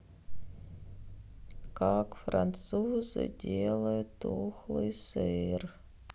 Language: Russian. как французы делают тухлый сыр